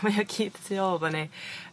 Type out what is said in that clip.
mae o gyt tu ôl efo ni.